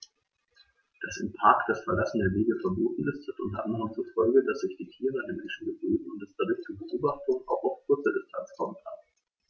Dass im Park das Verlassen der Wege verboten ist, hat unter anderem zur Folge, dass sich die Tiere an die Menschen gewöhnen und es dadurch zu Beobachtungen auch auf kurze Distanz kommen kann.